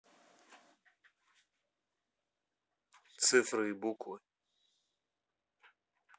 цифры и буквы